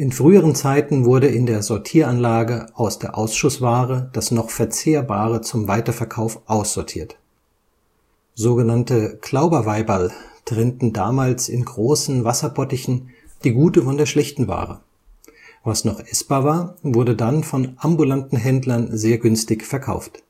früheren Zeiten wurde in der Sortieranlage aus der Ausschussware das noch Verzehrbare zum Weiterverkauf aussortiert. So genannte „ Klauberweiberl “trennten damals in großen Wasserbottichen die gute von der schlechten Ware. Was noch essbar war, wurde dann von ambulanten Händlern sehr günstig verkauft